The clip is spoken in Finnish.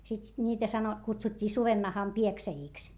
sitten niitä - kutsuttiin sudennahan pieksäjiksi